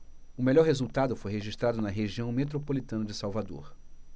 o melhor resultado foi registrado na região metropolitana de salvador